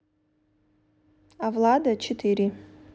а влада четыре